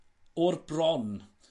o'r bron